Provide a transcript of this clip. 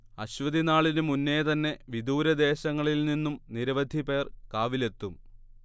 അശ്വതിനാളിനു മുന്നേ തന്നെ വിദൂരദേശങ്ങളിൽ നിന്നും നിരവധി പേർ കാവിലെത്തും